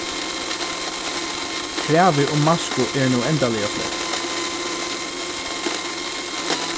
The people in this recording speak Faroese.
kravið um masku er nú endaliga slept